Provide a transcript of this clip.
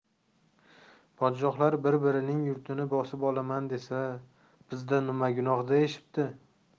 podsholar bir birining yurtini bosib olaman desa bizda nima gunoh deyishibdi